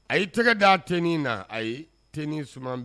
A ye tɛgɛ d a tin na ayi t niman